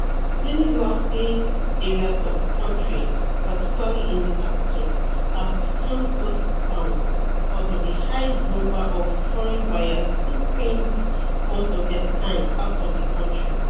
Many wealthy areas of the country - particularly in the capital - have become "ghost towns" because of the high number of foreign buyers who spend most of their time out of the country.